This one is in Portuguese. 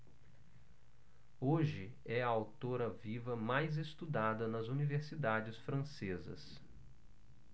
hoje é a autora viva mais estudada nas universidades francesas